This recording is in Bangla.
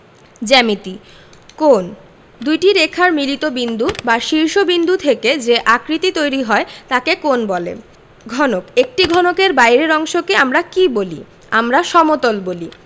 জ্যামিতিঃ কোণঃ দুইটি রেখার মিলিত বিন্দু বা শীর্ষ বিন্দু থেকে যে আকৃতি তৈরি হয় তাকে কোণ বলে ঘনকঃ একটি ঘনকের বাইরের অংশকে আমরা কী বলি আমরা সমতল বলি